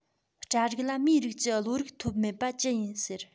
སྤྲ རིགས ལ མིའི རིགས ཀྱི བློ རིག ཐོབ མེད པ ཅི ཡིན ཟེར